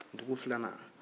dugu filanan